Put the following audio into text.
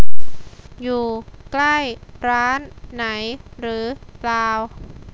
อยู่ใกล้ร้านไหนหรือเปล่า